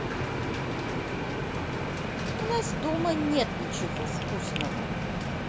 у нас дома нет ничего вкусного